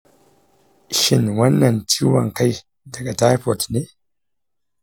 shin wannan ciwon kai daga taifoid ne?